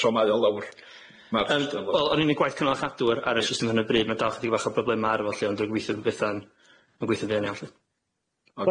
So mae o lawr? Ma'r system lawr? Yym wel yr unig gwaith cynnal a chadw ar y system ar 'yn o bryd ma' dal chydig bach o broblema ar y fo lly ond dwi'n gobeithio fy' petha'n gweithio'n fuan iawn lly.